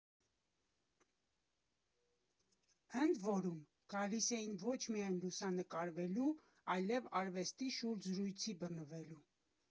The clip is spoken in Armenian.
Ընդ որում՝ գալիս էին ոչ միայն լուսանկարվելու, այլև արվեստի շուրջ զրույցի բռնվելու։